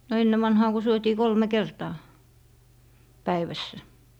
no ennen vanhaan kun syötiin kolme kertaa päivässä